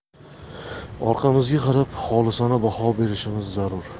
orqamizga qarab xolisona baho berishimiz zarur